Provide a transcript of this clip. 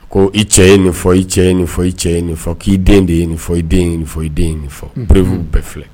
Ko i cɛ ye ninfɔ i cɛ ye ninfɔ i cɛ ye nin k'i den de yefɔ i den nin fɔ i den nin fɔ perew bɛɛ filɛ